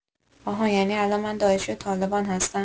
آها یعنی الان من داعشی و طالبان هستم؟